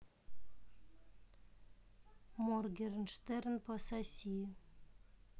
моргенштерн пососи